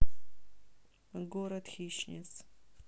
город хищниц